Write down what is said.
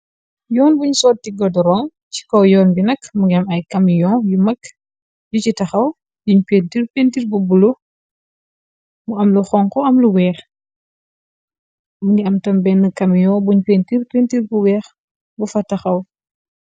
Yoon buñ sotti gorde ron, ci kaw yoon bi nak mu ngi am ay kamiyon yu mag. Yi ci taxaw yiñ pentir , pentir bu bulo mu am lu xonko am lu weex, mu ngi amtam benn kamiyon buñ pentir, pentir bu weex bu fa taxaw.